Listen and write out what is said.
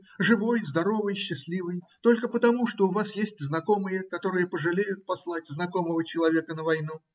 живой, здоровый, счастливый, только потому, что у вас есть знакомые, которые пожалеют послать знакомого человека на войну.